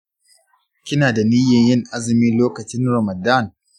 kina da niyyan yin azumi lokacin ramadan?